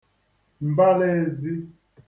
m̀balaēzī